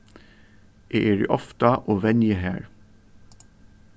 eg eri ofta og venji har